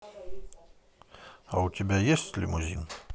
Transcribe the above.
а у тебя есть лимузин